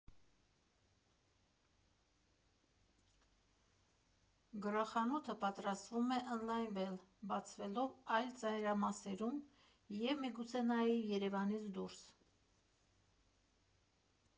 Գրախանութը պատրաստվում է ընդլայնվել, բացվելով այլ ծայրամասերում և, միգուցե, նաև Երևանից դուրս։